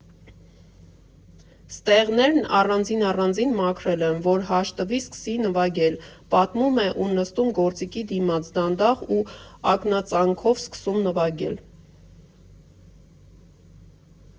Ստեղներն առանձին֊առանձին մաքրել եմ, որ հաշտվի, սկսի նվագել»,֊ պատմում է ու նստում գործիքի դիմաց, դանդաղ ու ակնածանքով սկսում նվագել։